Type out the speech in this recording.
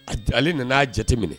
A ale nana'a jate minɛ